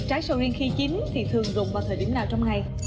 trái sầu riêng khi chín thì thường rụng vào thời điểm nào trong ngày